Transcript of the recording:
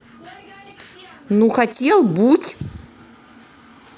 ну хотел будь